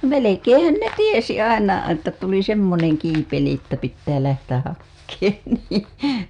melkeinhän ne tiesi aina että tuli semmoinen kiipeli että pitää lähteä hakemaan niin